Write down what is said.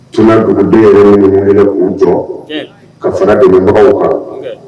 Tuna duguden yɛrɛ k'u jɔ tiɲɛ ka fara dɛmɛbagaw kan unkɛ